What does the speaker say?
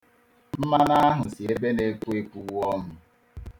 Mmanụ ahụ si ebe na-epu epu wụọ m.